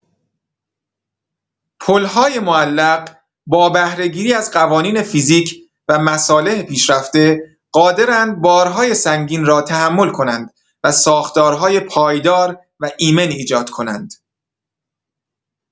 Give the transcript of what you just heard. پل‌های معلق با بهره‌گیری از قوانین فیزیک و مصالح پیشرفته، قادرند بارهای سنگین را تحمل کنند و ساختارهای پایدار و ایمن ایجاد کنند.